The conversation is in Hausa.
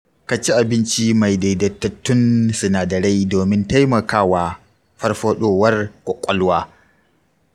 ka ci abinci mai daidaitattun sinadarai domin taimaka wa farfaɗowar ƙwaƙwalwa.